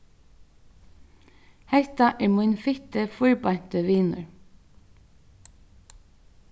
hetta er mín fitti fýrbeinti vinur